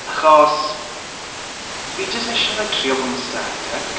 Achos fi jyst eisiau like trio fod yn aesthetic.